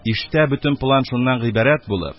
Иштә бөтен план шуннан гыйбарәт булып